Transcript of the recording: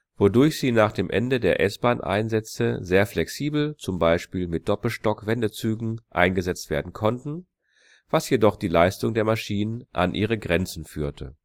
wodurch sie nach dem Ende der S-Bahn-Einsätze sehr flexibel z.B. mit Doppelstockwendezügen eingesetzt werden konnten, was jedoch die Leistung der Maschine an ihre Grenzen führte